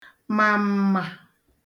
mà m̀mà